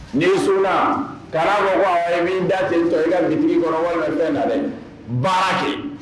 N'i sunna, kan'a ko awɔ i b'i da tentɔ i ka boutique kɔnɔ walima fɛn na dɛ baara kɛ